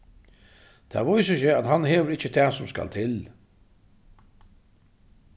tað vísir seg at hann hevur ikki tað sum skal til